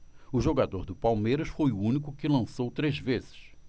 o jogador do palmeiras foi o único que lançou três vezes